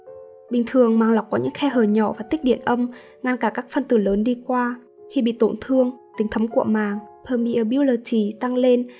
bình thường màng lọc có những khe hở nhỏ và tích điện âm ngăn cản các phân tử lớn đi qua khi bị tổn thương tính thấm của màng tăng lên